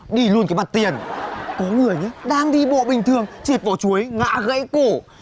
đi luôn cái mặt tiền có người nhớ đang đi bộ bình thường trượt vỏ chuối ngã gãy cổ